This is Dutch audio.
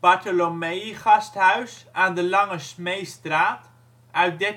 Bartholomeïgasthuis aan de Lange Smeestraat, uit 1367